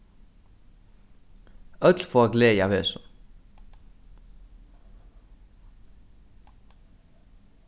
øll fáa gleði av hesum